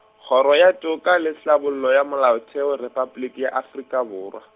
kgoro ya Toka le Tlhabollo ya Molaotheo Repabliki ya Afrika Borwa.